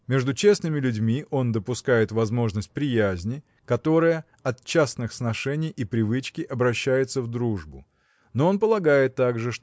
Между честными людьми он допускает возможность приязни которая от частых сношений и привычки обращается в дружбу. Но он полагает также